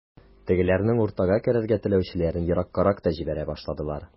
Тегеләрнең уртага керергә теләүчеләрен ераккарак та җибәрә башладылар.